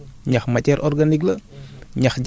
par exemple buñ jëlee ñax